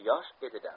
yosh edi da